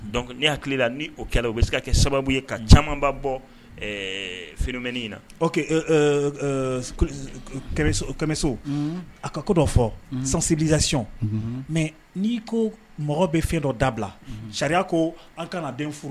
Don'i' hakili la n o kɛlɛ bɛ se ka kɛ sababu ye ka camanba bɔ fmɛin in na kɛmɛso a ka ko dɔ fɔ sansisi mɛ n' ko mɔgɔ bɛ fɛn dɔ dabila sariya ko an k ka' den furu